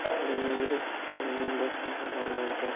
koronavirus xitoyning boshqa shaharlarida singapur